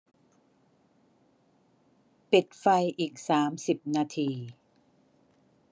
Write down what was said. ปิดไฟอีกสามสิบนาที